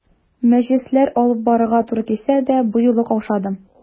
Мәҗлесләр алып барырга туры килсә дә, бу юлы каушадым.